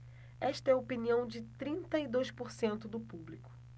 esta é a opinião de trinta e dois por cento do público